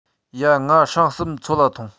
ཡ ངའ སྲང གསུམ ཚོད ལ ཐོངས